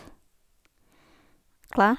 Klar.